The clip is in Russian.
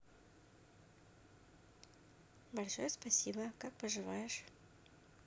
большое спасибо как поживаешь